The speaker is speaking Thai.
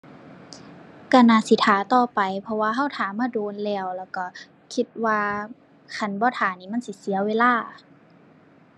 ก็น่าสิท่าต่อไป เพราะว่าก็ท่ามาโดนแล้ว แล้วก็คิดว่าคันบ่ท่านี่มันสิเสียเวลา